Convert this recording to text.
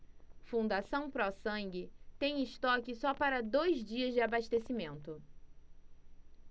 fundação pró sangue tem estoque só para dois dias de abastecimento